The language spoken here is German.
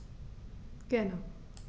Gerne.